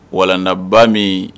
Walaba min